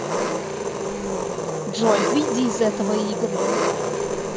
джой выйди из этого игры